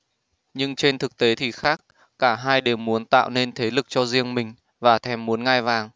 nhưng trên thực tế thì khác cả hai đều muốn tạo nên thế lực cho riêng mình và thèm muốn ngai vàng